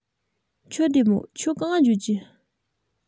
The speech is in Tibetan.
ཁྱོད བདེ མོ ཁྱོད གང ལ འགྲོ རྒྱུ